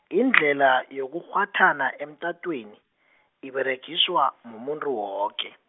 indlhela yokukghwathana emtatweni, iberegiswa mumuntu woke.